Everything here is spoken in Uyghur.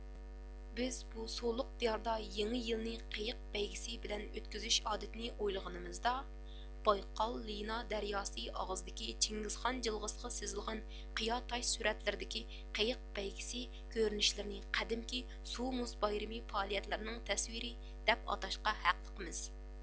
بىز بۇ سۇلۇق دىياردا يېڭى يىلنى قېيىق بەيگىسى بىلەن ئۆتكۈزۈش ئادىتىنى ئويلىغىنىمىزدا بايقال لىنا دەرياسى ئاغزىدىكى چىڭگىزخان جىلغىسىغا سىزىلغان قىيا تاش سۈرەتلىرىدىكى قېيىق بەيگىسى كۆرۈنۈشلىرىنى قەدىمكى سۇ مۇز بايرىمى پائالىيەتلىرىنىڭ تەسۋىرى دەپ ئاتاشقا ھەقلىقمىز